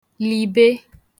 lìbe